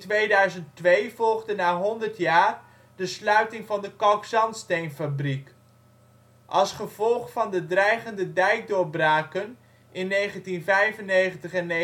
2002 volgde na honderd jaar de sluiting van de kalkzandsteenfabriek. Als gevolg van de dreigende dijkdoorbraken in 1995 en 1998